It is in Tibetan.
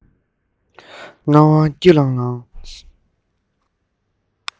སྣང བ སྐྱིད ལྷང ལྷང